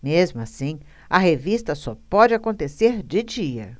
mesmo assim a revista só pode acontecer de dia